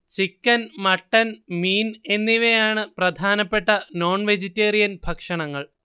chicken mutton മീൻ എന്നിവയാണ് പ്രധാനപ്പെട്ട നോൺവെജിറ്റേറിയൻ ഭക്ഷണങ്ങൾ